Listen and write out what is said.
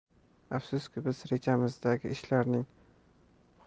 afsuski biz rejamizdagi ishlarning